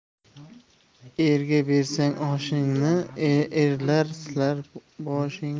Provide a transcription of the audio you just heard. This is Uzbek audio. erga bersang oshingni erlar silar boshingni